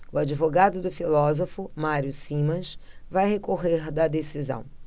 o advogado do filósofo mário simas vai recorrer da decisão